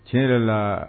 Tiɲɛ yɛrɛ la